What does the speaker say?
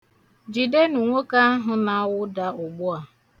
Jidenu nwoke ahụ na-awụda ugbu a!